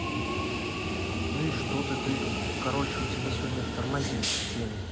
ну и что ну что то короче у тебя сегодня тормозит стены